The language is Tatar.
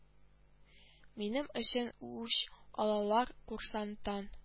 Минем өчен үч алалар курсанттан